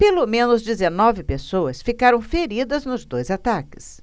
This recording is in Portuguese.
pelo menos dezenove pessoas ficaram feridas nos dois ataques